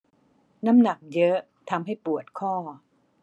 น้ำหนักเยอะทำให้ปวดข้อ